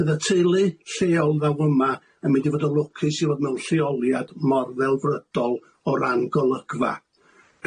Bydd y teulu lleol ddaw yma yn mynd i fod yn lwcus i fod mewn lleoliad mor ddelfrydol o ran golygfa.